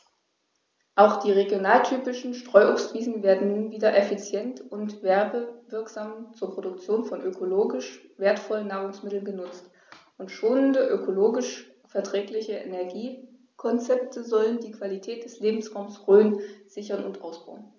Auch die regionaltypischen Streuobstwiesen werden nun wieder effizient und werbewirksam zur Produktion von ökologisch wertvollen Nahrungsmitteln genutzt, und schonende, ökologisch verträgliche Energiekonzepte sollen die Qualität des Lebensraumes Rhön sichern und ausbauen.